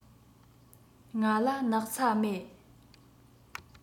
ང ལ སྣག ཚ མེད